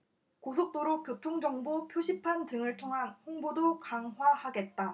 고속도로 교통정보 표시판 등을 통한 홍보도 강화하겠다